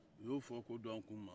u y'o fɔ k'o don an kun ma